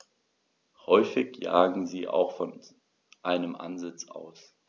Häufig jagen sie auch von einem Ansitz aus.